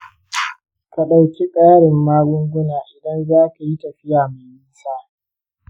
ka ɗauki ƙarin magunguna idan za ka yi tafiya mai nisa.